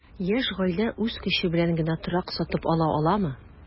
Яшь гаилә үз көче белән генә торак сатып ала аламы?